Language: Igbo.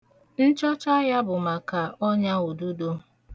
Nchọcha ya bụ maka ọnyaududo.